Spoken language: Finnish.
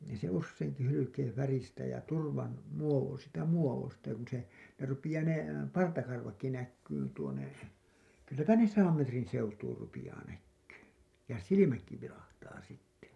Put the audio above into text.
niin se useinkin hylkeen väristä ja turvan - siitä muodosta ja kun se ne rupeaa ne partakarvatkin näkymään tuonne kylläpä ne sadan metrin seutuun rupeaa näkymään ja silmätkin vilahtaa sitten